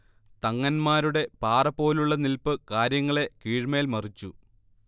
തങ്ങൻമാരുടെ പാറപോലെയുള്ള നിൽപ്പ് കാര്യങ്ങളെ കീഴ്മേൽ മറിച്ചു